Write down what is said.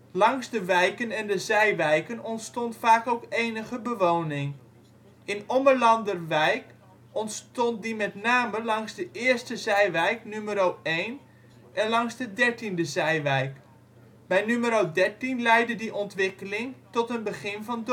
Langs de wijken en de zijwijken ontstond vaak ook enige bewoning. In Ommelanderwijk ontstond die met name langs de eerste zijwijk Numero een en langs de dertiende zijwijk. Bij Numero Dertien leidde die ontwikkeling tot het begin van